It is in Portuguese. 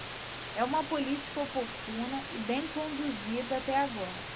é uma política oportuna e bem conduzida até agora